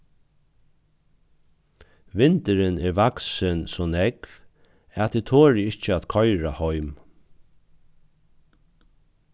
vindurin er vaksin so nógv at eg tori ikki at koyra heim